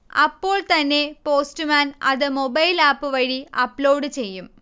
അപ്പോൾത്തന്നെ പോസ്റ്റ്മാൻ അത് മൊബൈൽആപ്പ് വഴി അപ്ലോഡ് ചെയ്യും